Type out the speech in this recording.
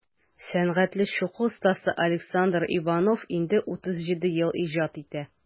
Сәнгатьле чүкү остасы Александр Иванов инде 37 ел иҗат итә.